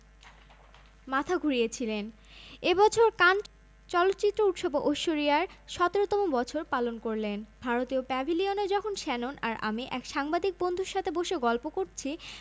থাকছে সাদা গোলাপ পিওনি ও ফক্সগ্লোভস ফুলের পাশাপাশি ভেন্যু সাজাতে কয়েক ধরনের সুন্দর পাতাও ব্যবহার করা হবে আর বিয়ের পর সেই ফুলগুলো সব দান করে দেওয়া হবে স্থানীয় দাতব্য প্রতিষ্ঠানে